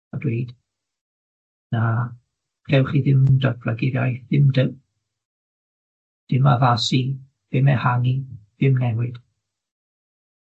a dweud, na, gewch chi ddim datblygu'r iaith, dim dew- dim addasu, dim ehangu, dim newid.